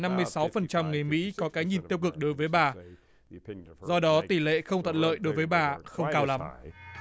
năm mươi sáu phần trăm người mỹ có cái nhìn tiêu cực đối với bà do đó tỷ lệ không thuận lợi đối với bà không cao lắm